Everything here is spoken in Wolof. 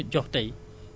mu gën leen jege